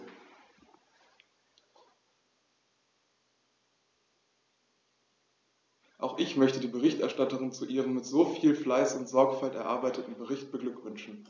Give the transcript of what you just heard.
Auch ich möchte die Berichterstatterin zu ihrem mit so viel Fleiß und Sorgfalt erarbeiteten Bericht beglückwünschen.